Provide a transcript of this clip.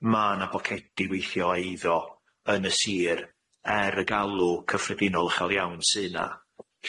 Ma' na bocedi weithio eiddo yn y Sir er y galw cyffredinol uchel iawn sy' na,